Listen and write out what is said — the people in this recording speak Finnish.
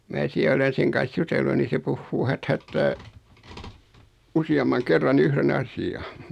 minä siellä olen sen kanssa jutellut niin se puhuu häthätää useamman kerran yhden asian